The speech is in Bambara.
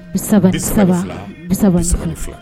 Saba saba